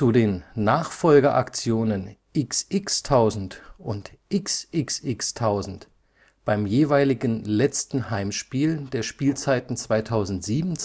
den Nachfolgeaktionen XX-Tausend und XXX-Tausend beim jeweiligen letzten Heimspiel der Spielzeiten 2007/08